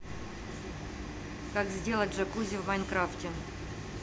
как сделать джакузи в майнкрафте